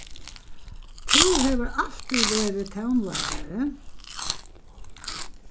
tú hevur altíð verið tónleikari